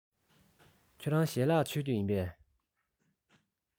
ཁྱེད རང ཞལ ལག མཆོད རྒྱུ བཟའ རྒྱུ ཡིན པས